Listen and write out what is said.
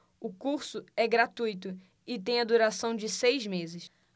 o curso é gratuito e tem a duração de seis meses